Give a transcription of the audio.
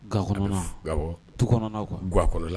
Ka ka bɔ tu ga la